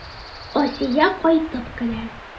Асия кайтып керә.